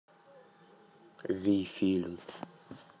вий фильм